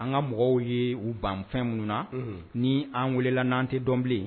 An ka mɔgɔw ye u banfɛn minnu na, unhun, ni an welela n'an tɛ dɔn bilen